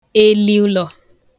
eliụlọ̀